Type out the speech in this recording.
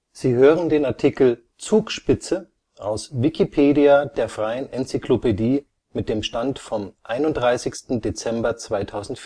Sie hören den Artikel Zugspitze, aus Wikipedia, der freien Enzyklopädie. Mit dem Stand vom Der